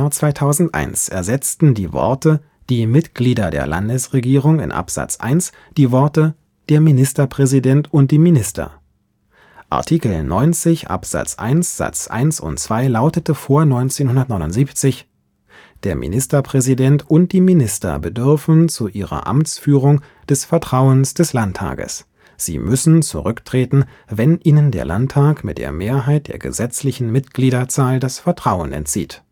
2001 ersetzten die Worte „ Die Mitglieder der Landesregierung “in Absatz 1 die Worte „ Der Ministerpräsident und die Minister “. Artikel 90 Absatz 1 Satz 1 und 2 lautete vor 1979: Der Ministerpräsident und die Minister bedürfen zu ihrer Amtsführung des Vertrauens des Landtages. Sie müssen zurücktreten, wenn ihnen der Landtag mit der Mehrheit der gesetzlichen Mitgliederzahl das Vertrauen entzieht